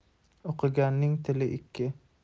o'qiganning tili ikki